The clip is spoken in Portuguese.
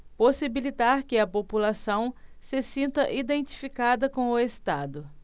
possibilitar que a população se sinta identificada com o estado